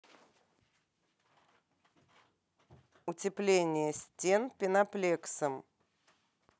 утепление стен пеноплексом